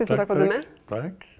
takk takk takk.